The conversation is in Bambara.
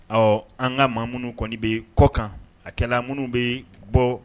Ɔ an ka maa minnu kɔni bɛ kɔ kan akɛla minnu bɛ bɔ